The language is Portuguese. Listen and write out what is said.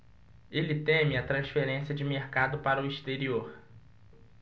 ele teme a transferência de mercado para o exterior